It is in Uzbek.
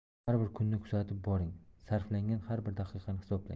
har bir kunni kuzatib boring sarflangan har bir daqiqani hisoblang